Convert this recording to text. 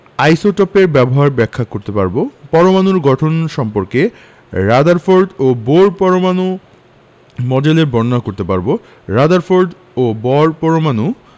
আইসোটোপের ব্যবহার ব্যাখ্যা করতে পারব পরমাণুর গঠন সম্পর্কে রাদারফোর্ড ও বোর পরমাণু মডেলের বর্ণনা করতে পারব রাদারফোর্ড ও বোর পরমাণু